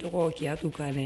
Tɔgɔya tɛ k'a mɛn